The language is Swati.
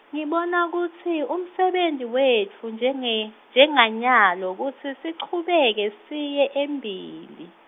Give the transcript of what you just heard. ngibona kutsi umsebenti wetfu njenge, njenganyalo, kutsi sichubeke siye embili.